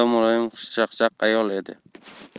muloyim xushchaqchaq ayol edi